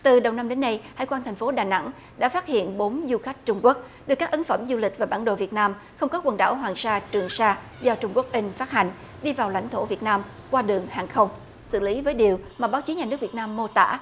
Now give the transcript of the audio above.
từ đầu năm đến nay hải quan thành phố đà nẵng đã phát hiện bốn du khách trung quốc được các ấn phẩm du lịch và bản đồ việt nam không có quần đảo hoàng sa trường sa do trung quốc in phát hành đi vào lãnh thổ việt nam qua đường hàng không xử lý với điều mà báo chí nhà nước việt nam mô tả